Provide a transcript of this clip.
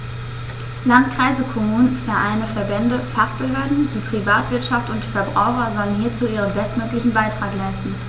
Landkreise, Kommunen, Vereine, Verbände, Fachbehörden, die Privatwirtschaft und die Verbraucher sollen hierzu ihren bestmöglichen Beitrag leisten.